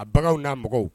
A bagaw n'a mɔgɔw